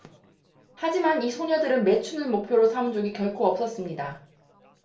하지만 이 소녀들은 매춘을 목표로 삼은 적이 결코 없었습니다